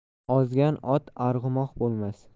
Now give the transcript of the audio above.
ozgan ot arg'umoq bo'lmas